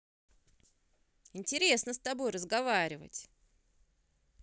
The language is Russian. интересно с тобой разговаривать